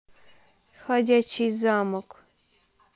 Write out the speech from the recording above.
ходячий замок